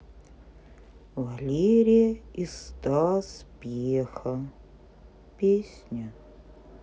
валерия и стас пьеха песня